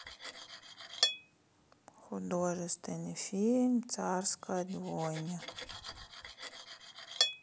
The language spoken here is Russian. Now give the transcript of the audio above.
художественный фильм царская двойня